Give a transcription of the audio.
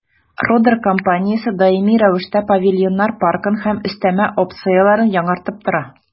«родер» компаниясе даими рәвештә павильоннар паркын һәм өстәмә опцияләрен яңартып тора.